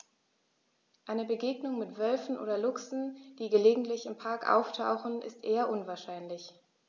Eine Begegnung mit Wölfen oder Luchsen, die gelegentlich im Park auftauchen, ist eher unwahrscheinlich.